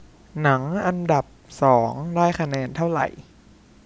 หนังอันดับสองได้คะแนนเท่าไหร่